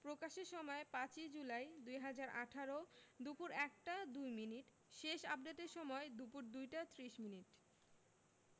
প্রকাশের সময় ৫ই জুলাই ২০১৮ দুপুর ১টা ২মিনিট শেষ আপডেটের সময় দুপুর ২টা ৩০ মিনিট